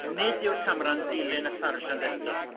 nid yw'r camea'nt dilyn y sarjant eto.